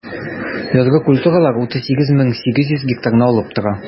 Язгы культуралар 38,8 мең гектарны алып тора.